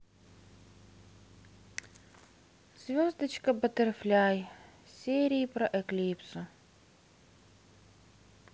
звездочка баттерфляй серии про эклипсу